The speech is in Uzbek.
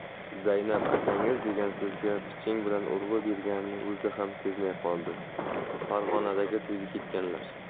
zaynab akangiz degan so'zga piching bilan urg'u berganini o'zi ham sezmay qoldi farg'onadagi to'yga ketganlar